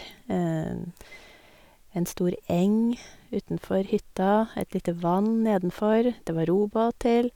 En stor eng utenfor hytta, et lite vann nedenfor, det var robåt til.